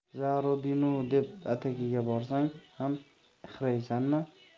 za rodinu deb atakaga borsang ham ixraysanmi